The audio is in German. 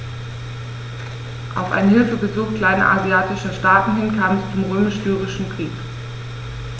Auf ein Hilfegesuch kleinasiatischer Staaten hin kam es zum Römisch-Syrischen Krieg.